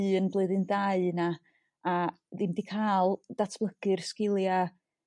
un blwyddyn dau 'na, a ddim 'di ca'l datblygu'r sgilia'